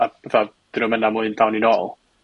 a fatha dawn ni nôl